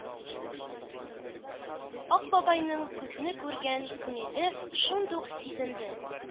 Ак бабайның күпне күргән күңеле шундук сизенде.